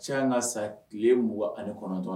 Cɛ an ka sa tile mɔgɔ ale kɔnɔntɔ